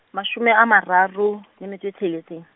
mashome a mararo , le metso e tsheletseng.